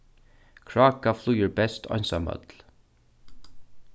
kráka flýgur best einsamøll